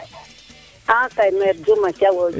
axa kay Mere Diouma Thiaw o sax